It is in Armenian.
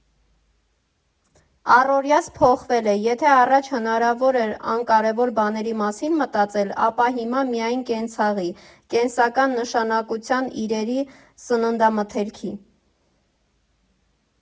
Առօրյաս փոխվել է, եթե առաջ հնարավոր էր անկարևոր բաների մասին մտածել, ապա հիմա միայն կենցաղի՝ կենսական նշանակության իրերի, սննդամթերքի։